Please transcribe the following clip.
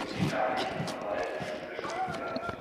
Staatliche Verwaltungsschule Stuttgart